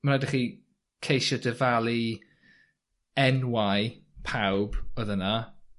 ma raid i chi ceisio dyfalu enwau pawb odd yna.